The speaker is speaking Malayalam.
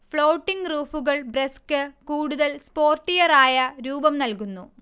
ഫ്ളോട്ടിങ് റൂഫുകൾ ബ്രെസ്ക്ക് കൂടുതൽ സ്പോർട്ടിയറായ രൂപം നൽകുന്നു